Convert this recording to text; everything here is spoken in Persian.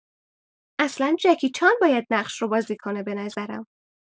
اصلن جکی چان باید نقش را بازی کنه به نظرم.